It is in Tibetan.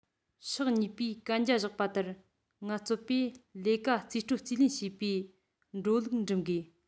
ཕྱོགས གཉིས པོས གན རྒྱ བཞག པ ལྟར ངལ རྩོལ པས ལས ཀ རྩིས སྤྲོད རྩིས ལེན བྱེད པའི འགྲོ ལུགས འགྲིམས དགོས